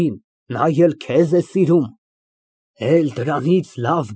Դու այնտեղ կտեսնեն տեղական ինտելիգենցիայի ընտիր մասը։ ՄԱՐԳԱՐԻՏ ֊ Ինչո՞ւ ընտիր։